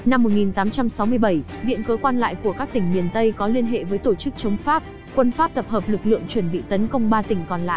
năm viện cớ quan lại của các tỉnh miền tây có liên hệ với tổ chức chống pháp quân pháp tập hợp lực lượng chuẩn bị tấn công tỉnh còn lại